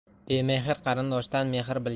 bemehr qarindoshdan mehr